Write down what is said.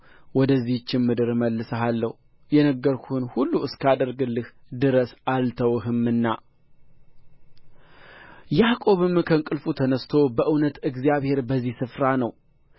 ወደዚችም ምድር እመልስሃለሁ የነገርሁህን ሁሉ እስካደርግልህ ድረስ አልተውህምና ያዕቆብም ከእንቅልፉ ተነሥቶ በእውነት እግዚአብሔር በዚህ ስፍራ ነው